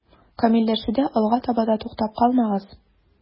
Камилләшүдә алга таба да туктап калмагыз.